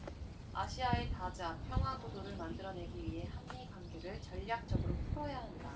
아시아의 다자 평화구도를 만들어 내기 위해 한 미 관계를 전략적으로 풀어야 한다